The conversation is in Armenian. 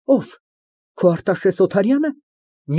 Ո՞վ։ Քո Արտաշես Օթարյա՞նը։